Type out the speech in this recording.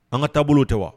An ka taabolo bolo tɛ wa?